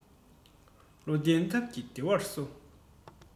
བློ ལྡན ཐབས ཀྱིས བདེ བར གསོ